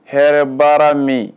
Hɛrɛ baara min